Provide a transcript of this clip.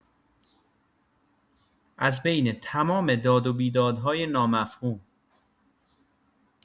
از بین تمام داد و بیدادهای نامفهوم